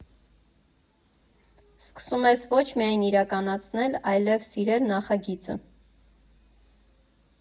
Սկսում ես ոչ միայն իրականացնել, այլև սիրել նախագիծը։